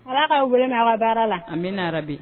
Ala ka welena wa baara la a bɛ na bi